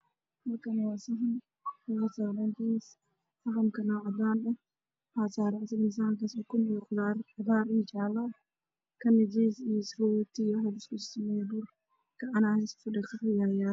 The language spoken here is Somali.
Waa miis waxaa saaran ukun khudaaar